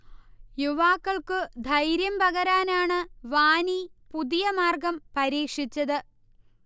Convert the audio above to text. യുവാക്കൾക്കു 'ധൈര്യം' പകരാനാണു വാനി പുതിയ മാർഗം പരീക്ഷിച്ചത്